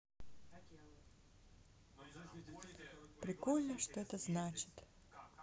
прикольно что это значит